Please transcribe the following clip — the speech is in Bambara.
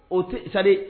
O tɛ c'est à dire